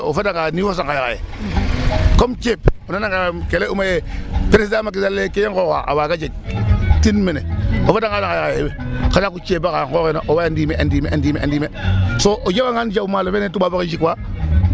Yaam xaye o fadanga o Sangaye xaye comme ceeb o nananga ke lay'uma yee Président Macky Sall e ke i nqooxaq a wqaga jiktin mene o fa'anga xaye xa saaqu ceeb axa nqooxeena a waa ndime a ndime a ndime so o jawangan jaw maalo fene Toubab oxe jikwa .